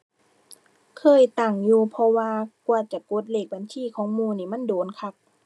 เคยตั้งอยู่ เพราะว่ากว่าจะกดเลขบัญชีของหมู่นี่ มันโดนคัก